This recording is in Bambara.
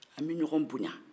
an bɛ ɲɔgɔ boyan